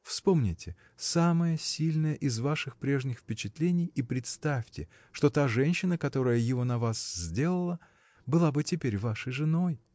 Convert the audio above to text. Вспомните самое сильное из ваших прежних впечатлений и представьте, что та женщина, которая его на вас сделала, была бы теперь вашей женой.